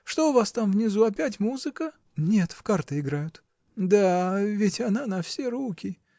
Что у вас там внизу, опять музыка? -- Нет -- в карты играют. -- Да, ведь она на все руки.